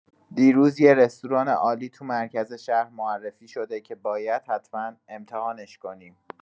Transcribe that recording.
دیروز یه رستوران عالی تو مرکز شهر معرفی شده که باید حتما امتحانش کنیم.